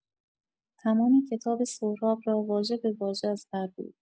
تمام کتاب سهراب را واژه به واژه از بر بود.